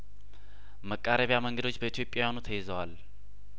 መቃረቢያ መንገዶች በኢትዮጵያኑ ተይዘዋል